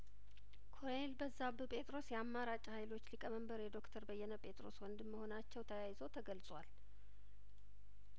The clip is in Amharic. ኮሎኔል በዛብህ ጴጥሮስ የአማራጭ ሀይሎች ሊቀመንበር የዶክተር በየነ ጴጥሮስ ወንድም መሆናቸው ተያይዞ ተገልጿል